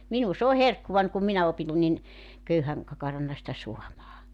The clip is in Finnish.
minun se on herkkuani kun minä opin niin köyhän kakarana sitä saamaan